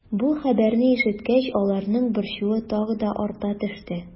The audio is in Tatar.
Бу хәбәрне ишеткәч, аларның борчуы тагы да арта төште.